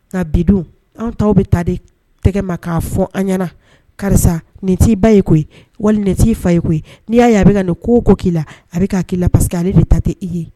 Nka bidon an ta bɛ ta de tɛgɛ ma k'a fɔ an ɲɛna karisa nin t' ba ye ko wa n t' fa ye ko koyi n'i y'a ye a bɛ ka nin ko ko k'i la a bɛ k' k i la paseke ale bɛ ta tɛ i ye